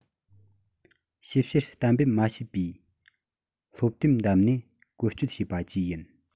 ཞིབ བཤེར གཏན འབེབས མ བྱས པའི སློབ དེབ བདམས ནས བཀོལ སྤྱོད བྱས པ བཅས ཡིན